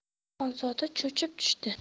xonzoda cho'chib tushdi